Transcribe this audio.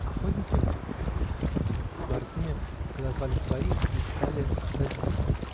охотники с борзыми подозвали своих и стали садиться.